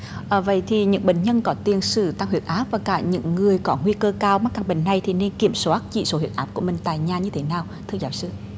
à vậy thì những bệnh nhân có tiền sử tăng huyết áp và cả những người có nguy cơ cao mắc các bệnh hay thì nên kiểm soát chỉ số huyết áp của mình tại nhà như thế nào thưa giáo sư